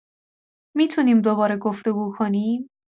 می‌تونیم دوباره گفت‌وگو کنیم؟